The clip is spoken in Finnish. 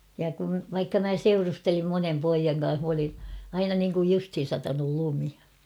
ja kun vaikka minä seurustelin monen pojan kanssa minä olin aina niin kuin justiin satanut lumi